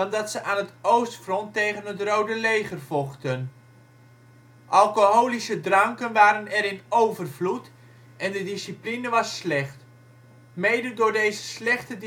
dat ze aan het oostfront tegen het Rode Leger vochten. Alcoholische dranken waren er in overvloed en de discipline was slecht. Mede door deze slechte